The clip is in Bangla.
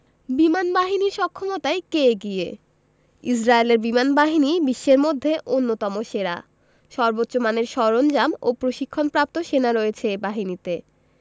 বিমানবাহীর সক্ষমতায় কে এগিয়ে ইসরায়েলের বিমানবাহিনী বিশ্বের মধ্যে অন্যতম সেরা সর্বোচ্চ মানের সরঞ্জাম ও প্রশিক্ষণপ্রাপ্ত সেনা রয়েছে এ বাহিনীতে